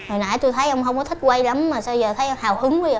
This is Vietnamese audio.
hồi nãy tôi thấy ông không thích quay lắm mà sao giờ thấy ông hào hứng quá dợ